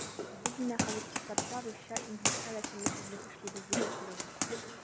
Без менә хәзер “Татарча-русча-инглизчә рәсемле сүзлек” эшлибез, ди Шакирова.